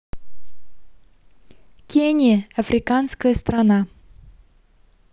кения африканская страна